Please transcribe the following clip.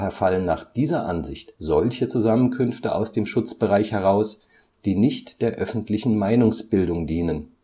fallen nach dieser Ansicht solche Zusammenkünfte aus dem Schutzbereich heraus, die nicht der öffentlichen Meinungsbildung dienen